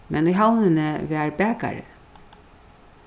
men í havnini var bakari